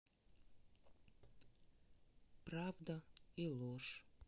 правда и ложь